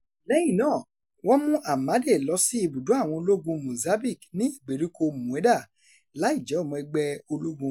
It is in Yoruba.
Lẹ́yìn náà, wọ́n mú Amade lọ sí ibùdó àwọn ológun Mozambique ní ìgbèríko Mueda láìjẹ́ ọmọ ẹgbẹ́ ológun.